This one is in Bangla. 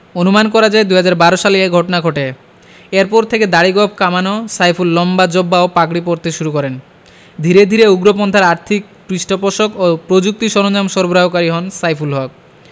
অনুমান করা হয় ২০১২ সালে এ ঘটনা ঘটে এরপর থেকে দাড়ি গোঁফ কামানো সাইফুল লম্বা জোব্বা ও পাগড়ি পরতে শুরু করেন ধীরে ধীরে উগ্রপন্থার আর্থিক পৃষ্ঠপোষক ও প্রযুক্তি সরঞ্জাম সরবরাহকারী হন সাইফুল হক